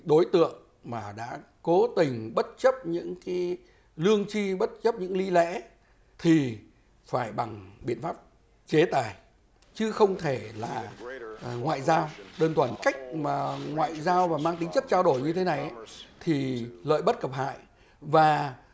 đối tượng mà đã cố tình bất chấp những ký lương chi bất chấp những lý lẽ thì phải bằng biện pháp chế tài chứ không thể là ngoại giao đơn thuần cách mà ngoại giao và mang tính chất trao đổi như thế này ý thì lợi bất cập hại và